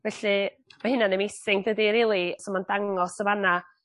Felly ma' hynna'n amazing dydi rili so ma'n dangos y fan 'na